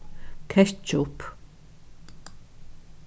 kettjup